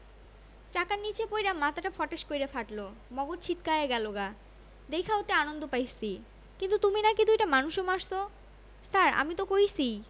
চাকার নিচে পইড়া মাথাডা ফটাস কইরা ফাটলো মগজ ছিটকায়া গেলোগা দেইখা অতি আনন্দ পাইছি কিন্তু তুমি নাকি দুইটা মানুষও মারছো ছার আমি তো কইছিই